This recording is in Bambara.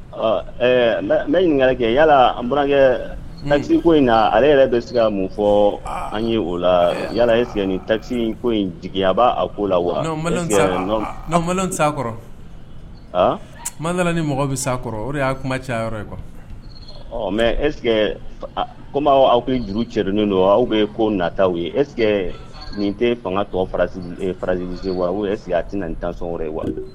Ɔ ne ɲininka ka kɛ yala ankɛ takisi ko in ale yɛrɛ bɛ se ka mun fɔ an ye o la yala ese taki ko in jigi a b'a a koo la wa sa kɔrɔ aa mada ni mɔgɔ bɛ sa kɔrɔ o y'a kuma ca yɔrɔ ye kuwa mɛ ese ko aw ni juru cɛdon don aw bɛ ko nata ye es nin tɛ fanga tɔgɔ farajsi wa ese a tɛna nin tan sɔn wɛrɛ ye wa